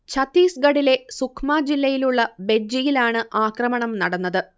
ഛത്തീസ്ഗഢിലെ സുക്മ ജില്ലയിലുള്ള ബെജ്ജിയിലാണ് ആക്രമണം നടന്നത്